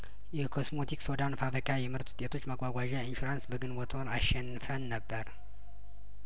የኮስሞቲክ ሶዳን ፋብሪካ የምርት ውጤቶች መጓጓዣ ኢንሹራንስ በግንቦት ወር አሸንፈን ነበር